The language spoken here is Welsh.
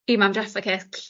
Dim am Jaffa Cake!